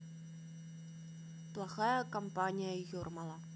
плохая компания юрмала